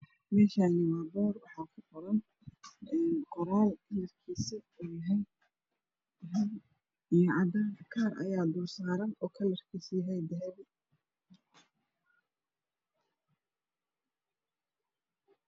Meeshaan waa boor waxaa kuqoran qoraal kalarkiisu uu yahay buluug iyo cadaan kalar ayaa dulsaaran oo dahabi ah.